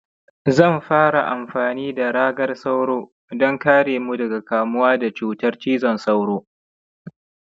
zanfara anfani da ragar sauro don karemu daga kamuwa da cutar cizon sauro